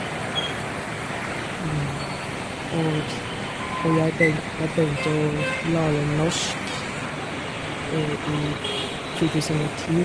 og ds Og jeg byn jeg begynte å l lære norsk i to tusen og ti.